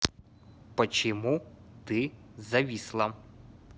почему ты зависла